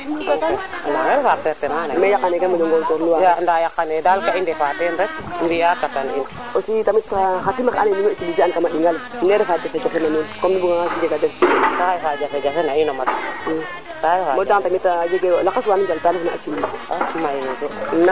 wa kay ka ref bes fa ando naye a yakam ti e a tax u kay i ndef no campagne a Mbimbane pour ndeto yo manam dufe dufe ke ando naye a ndufaan meen te ref a ɗinga maak yaaju o ga a nga keeke bo nade rew njalun sax ref ke ka ando naye xan yoq we ngoimna tank nga o dirano yo a tax ka i suriid meeke tewo paaax paam fasaɓ fasaɓ mosu sax i sim nin a paxa pax o tewo paax simna xong